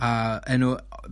a enw...